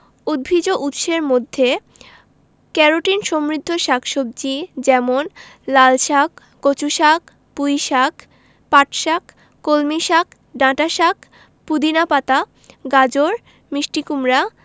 উদ্ভিজ্জ উৎসের মধ্যে ক্যারোটিন সমৃদ্ধ শাক সবজি যেমন লালশাক কচুশাক পুঁইশাক পাটশাক কলমিশাক ডাঁটাশাক পুদিনা পাতা গাজর মিষ্টি কুমড়া